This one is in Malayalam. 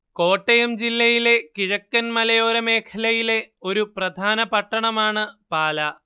കോട്ടയം ജില്ലയിലെ കിഴക്കൻ മലയോര മേഖലയിലെ ഒരു പ്രധാന പട്ടണമാണ് പാലാ